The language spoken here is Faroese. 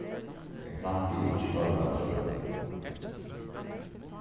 eg planti ikki teirra trø